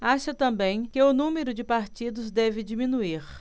acha também que o número de partidos deve diminuir